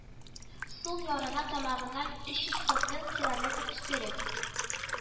Сул ярына тамагыннан өч йөз кырык бел километр өстәрәк